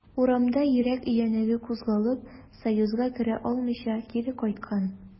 Урамда йөрәк өянәге кузгалып, союзга керә алмыйча, кире кайткан.